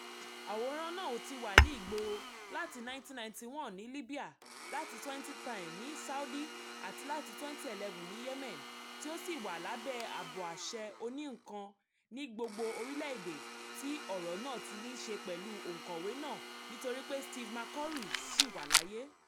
Àwòrán náà tí wà ní ìgboro láti 1991 ní Libya, láti 2010 ní Saudi, àti láti 2011 ní Yemen, tí ó sì wà lábẹ́ ààbò àṣẹ oní-nnkan ní gbogbo orílẹ̀ èdè tí ọ̀rọ̀ náà tí nii ṣe pẹ̀lú oǹkọ̀wé náà nítorí pé Steve McCurry ṣì wà láyé.